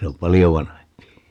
se on paljon vanhempi